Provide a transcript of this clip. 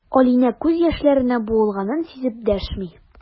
Алинә күз яшьләренә буылганын сизеп дәшми.